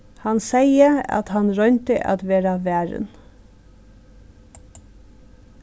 hann segði at hann royndi at vera varin